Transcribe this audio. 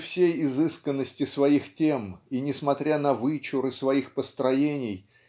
при всей изысканности своих тем и несмотря на вычуры своих построений